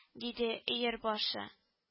— диде өер башы